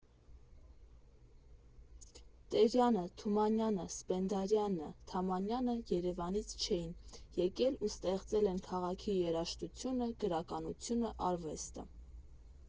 Տերյանը, Թումանյանը, Սպենդիարյանը, Թամանյանը Երևանից չէին՝ եկել ու ստեղծել են քաղաքի երաժշտությունը, գրականությունը, արվեստը։